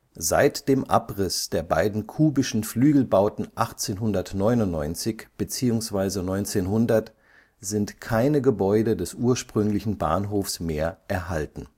Seit dem Abriss der beiden kubischen Flügelbauten 1899 beziehungsweise 1900 sind keine Gebäude des ursprünglichen Bahnhofs mehr erhalten